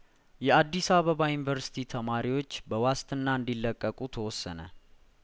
የአዲስ አበባ ዩኒቨርስቲ ተማሪዎች በዋስትና እንዲ ለቀቁ ተወሰነ